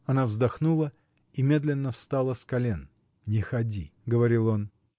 Она вздохнула и медленно встала с колен. — Не ходи! — говорил он.